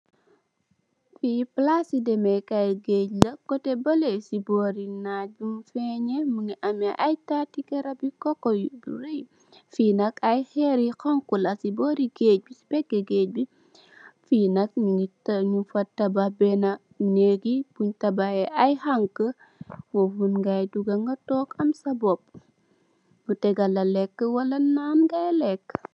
Fi palasi demdekai geeg la si kote bele mongi ame ay tati garab coco yu bari fi nak ay herr yu xonxu si bori geeg bi si weti geeg bi fi nak nung fa tabax bena neegi bun tabax ay xanxa fofu gaay duga tog am sa mboba nyu tegal leka wala naan nga leka.